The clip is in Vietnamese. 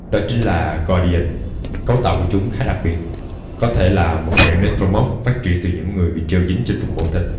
đó chính là guardian cấu tạo của chúng khá đặc biệt có thể là một dạng necromorphs phát triển từ những người bị treo dính trên phần mô thịt